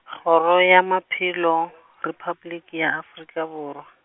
Kgoro ya Maphelo , Repabliki ya Afrika Borwa.